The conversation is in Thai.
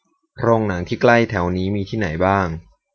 โรงหนังที่ใกล้แถวนี้มีที่ไหนบ้าง